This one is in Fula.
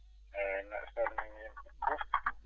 eeyi mbiɗa salmina yimɓe fof